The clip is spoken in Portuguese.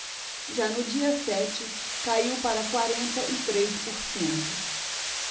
já no dia sete caiu para quarenta e três por cento